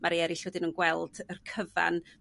ma rei erill wedyn yn gweld yr cyfan